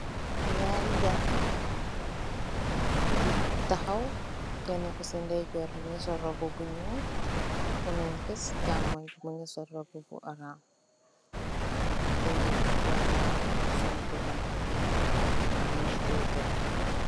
Ñaari janxa yu taxaw Kenna ku si ndayjoor mugii sol róbbu bu ñuul, Kenna ku si chaamoy mungii sol róbbu bu orans benna waxu'mbani mugii sèèn diganteh mungii teyeh gayi.